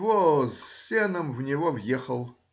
воз с сеном в него въехал.